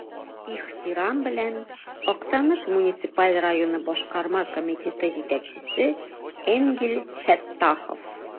Ихтирам белән, Актаныш муниципаль районы Башкарма комитеты җитәкчесе Энгель Фәттахов.